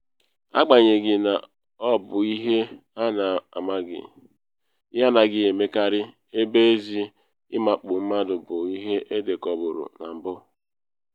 Agbanyeghị na ọ bụ ihe na anaghị emekarị, ebe ezi ịmakpu mmadụ bụ ihe edekọburu na mbụ.